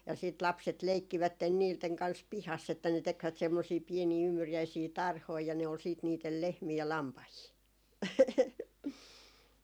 ja sitten lapset leikkivät niiden kanssa pihassa että ne tekivät semmoisia pieniä ymmyriäisiä tarhoja ja ne oli sitten niiden lehmiä ja lampaita